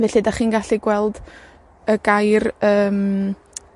Felly, 'dach chi'n gallu gweld y gair yym,